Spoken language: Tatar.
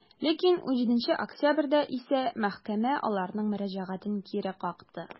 Ләкин 17 октябрьдә исә мәхкәмә аларның мөрәҗәгатен кире какты.